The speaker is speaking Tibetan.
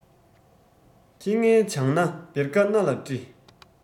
ཁྱི ངན བྱང ན བེར ཀ སྣ ལ བཀྲི